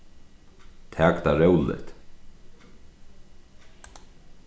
tak tað róligt